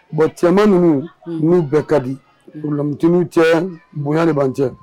Bon cɛman ninnu n'u bɛɛ ka diluntu cɛ bonyalibanan cɛ